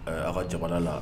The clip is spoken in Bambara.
Ɛɛ a ka jamana la